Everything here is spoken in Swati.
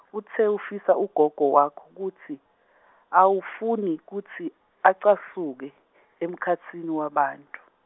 ute ufise nagogo wakho kutsi awufuni kutsi acasuke emkhatsini webantfu.